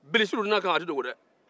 bilisi dun nakan a tɛ dogo dɛɛ